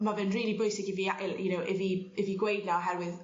ma' fe'n rili bwysig i fi a- il- you know i fi i fi gweud 'na oherwydd